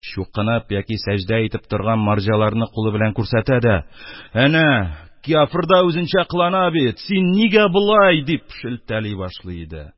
Чукынып яки сәҗдә итеп торган марҗаларны кулы белән күрсәтә дә: — Әнә кяфер дә үзенчә кылына бит, син нигә болай?! — дип шелтәли башлый иде.